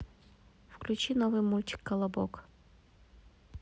включи новый мультик колобок